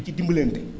ci dimbalante